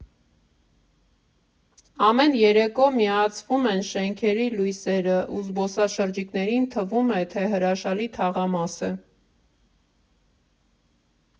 Ամեն երեկո միացվում են շենքերի լույսերը ու զբոսաշրջիկներին թվում է, թե հրաշալի թաղամաս է։